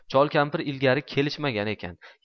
chol kampir ilgari kelishmagan ekan